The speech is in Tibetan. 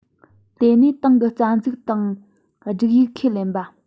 དེ ནས ཏང གི རྩ འཛིན དང སྒྲིག ཡིག ཁས ལེན པ